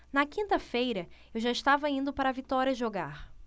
na quinta-feira eu já estava indo para vitória jogar